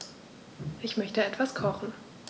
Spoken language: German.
Ich möchte etwas kochen.